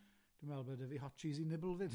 ...dwi'n meddwl bo' da fi hot cheesy nibble 'fyd.